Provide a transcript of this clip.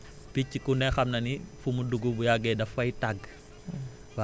prace que picc ku ne xam na ni fu mu dugg bu yàggee daf fay tagg